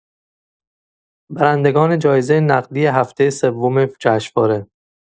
برندگان جایزه نقدی هفته سوم جشنواره